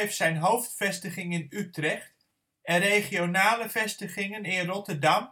zijn hoofdvestiging in Utrecht en regionale vestigingen in Rotterdam